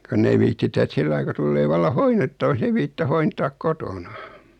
kun ei viitsitä että sillä lailla kun tulee vallan hoidettavaksi ei viitsitä hoitaa kotona